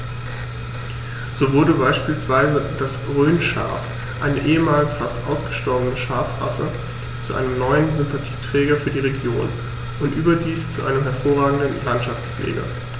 So wurde beispielsweise das Rhönschaf, eine ehemals fast ausgestorbene Schafrasse, zu einem neuen Sympathieträger für die Region – und überdies zu einem hervorragenden Landschaftspfleger.